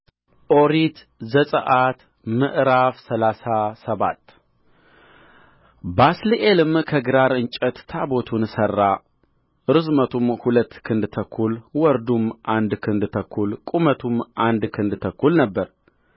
ኦሪት ዘጽአት ምዕራፍ ሰላሳ ሰባት ባስልኤልም ከግራር እንጨት ታቦቱን ሠራ ርዝመቱም ሁለት ክንድ ተኩል ወርዱም አንድ ክንድ ተኩል ቁመቱም አንድ ክንድ ተኩል ነበረ